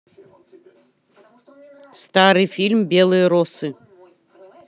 старый фильм белые росы